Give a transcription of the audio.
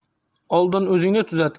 oldin o'zingni tuzat